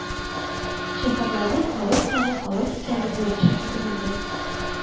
Шәһәрләрнең халык саны халык исәбе буенча китерелгән